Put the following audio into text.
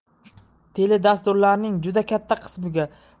teledasturlarning juda katta qismida